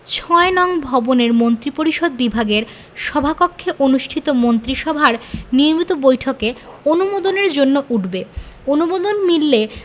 ৬ নং ভবনের মন্ত্রিপরিষদ বিভাগের সভাকক্ষে অনুষ্ঠিত মন্ত্রিসভার নিয়মিত বৈঠকে অনুমোদনের জন্য উঠবে অনুমোদন মিললে